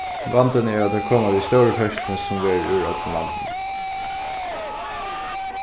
vandin er at tær koma við tí stóru ferðsluni sum verður úr øllum landinum